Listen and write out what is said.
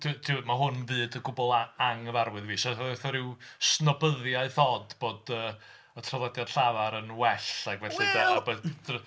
mae hwn yn fyd gwbl a- anghyfarwydd i fi, fatha rhyw snobyddiaeth od bod y... y traddodiad llafar yn well ag felly... Wel.